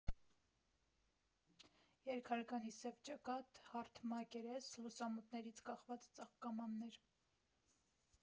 Երկհարկանի սև ճակատ, հարթ մակերես, լուսամուտներից կախված ծաղկամաններ։